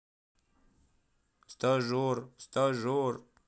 стажер стажер